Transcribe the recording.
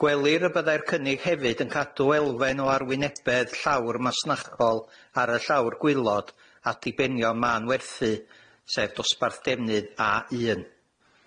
Gwelir y byddai'r cynnydd hefyd yn cadw elfen o arwynebedd llawr masnachol ar y llawr gwaelod a dibenion mân werthu sef dosbarth defnydd a un.